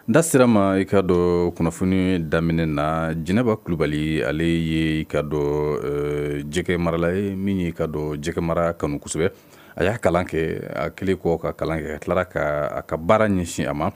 N da sera ma i k ka dɔn kunnafoni daminɛ na jinɛba kubali ale ye ka jɛgɛ marala ye min ye ka dɔn jɛgɛ mara kanu kosɛbɛ a y'a kalan kɛ a kɛlen kɔ ka kalan kɛ a tila ka a ka baara ɲɛsin a ma